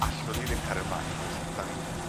Allwn ni ddim cario mlaen achos 'dan ni'n